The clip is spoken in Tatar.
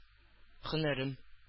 Һөнәрем